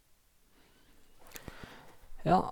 Ja.